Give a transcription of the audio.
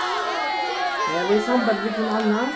tey hava verið í sambandi við hvønn annan